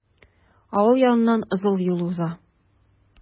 Авыл яныннан олы юл уза.